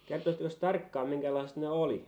kertoisittekos tarkkaan minkälaiset ne oli